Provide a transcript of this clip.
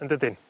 yndydyn?